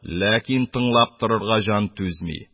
Ләкин тыңлап торырга җан түзми.